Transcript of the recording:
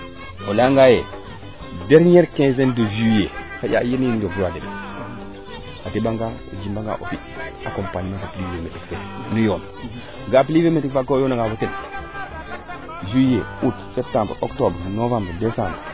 o leya ngaaye derniere quinzieme de juillet waaginum a deɓa nga a sim danga o nu yoon nda o yoona nga fo ten GIE septembre octobre novembre decembre